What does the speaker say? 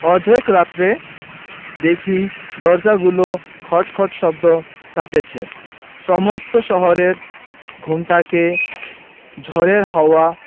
অর্ধেক রাত্রে দেখি দরজাগুলো খটখট শব্দে কাঁপছে সমস্ত শহরের ঘুমটাকে ঝড়ের হাওয়া